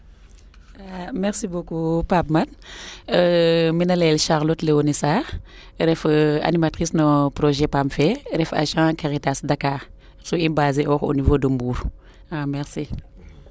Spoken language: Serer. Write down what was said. merci beaucoup Pape Made mi n leyey Charlotte Leoni Sarr ref animatrice no projet Pam fee ref agent Karitas Dackar so i baser oox o nivaux de Mbour merci